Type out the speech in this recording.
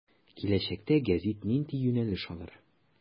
Киләчәктә гәзит нинди юнәлеш алыр.